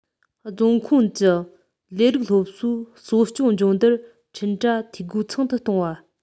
རྫོང ཁོངས ཀྱི ལས རིགས སློབ གསོའི གསོ སྐྱོང སྦྱོང བརྡར འཕྲིན དྲ འཐུས སྒོ ཚང དུ གཏོང བ